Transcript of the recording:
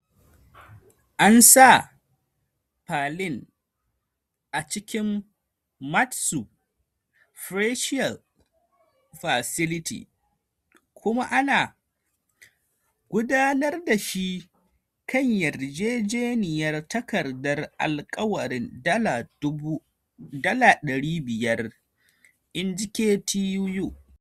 An sa Palin a cikin Mat-Su Pretrial Facility kuma ana gudanar da shi a kan yarjejeniyar takardar alƙwarin $500, in ji KTUU.